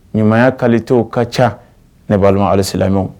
Ɲumanya ka to ka ca ne b' alisiw